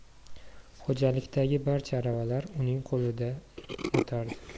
xo'jalikdagi barcha aravalar uning qo'lidan o'tardi